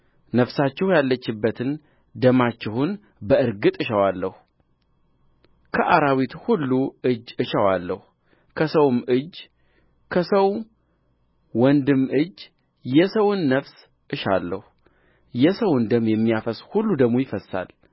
ነፍሳችሁ ያለችበትን ደማችሁን በእርግጥ እሻዋለሁ ከአራዊት ሁሉ እጅ እሻዋለሁ ከሰውም እጅ ከሰው ወንድም እጅ የሰውን ነፍስ እሻለሁ የሰውን ደም የሚያፈስስ ሁሉ ደሙ ይፈስሳል